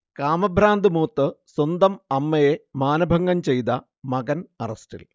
കാമഭ്രാന്ത് മൂത്ത് സ്വന്തം അമ്മയെ മാനഭംഗം ചെയ്ത മകൻ അറസ്റ്റിൽ